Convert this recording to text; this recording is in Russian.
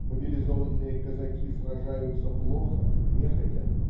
Мобилизованные казаки сражаются плохо, нехотя.